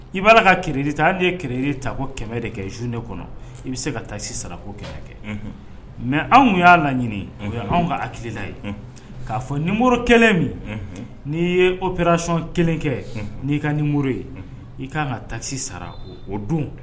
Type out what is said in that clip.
I b'a ka kɛlɛ ta an ye kɛlɛ ta ko kɛmɛ de kɛ zune kɔnɔ i bɛ se ka tasi sara ko ke kɛ mɛ anw y'a laɲini o y anw ka hakili hakilila ye k'a fɔ nimuru kɛlen min n'i ye o pracɔn kelen kɛ n'i kamuru ye i k'an ka taki sara o dun